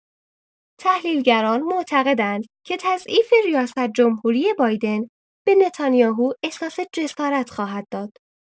تحلیلگران معتقدند که تضعیف ریاست‌جمهوری بایدن به نتانیاهو احساس جسارت خواهد داد.